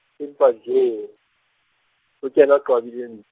empa joo, ho kena qwabi e nts-.